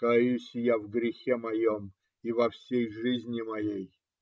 Каюсь я в грехе моем и во всей жизни моей.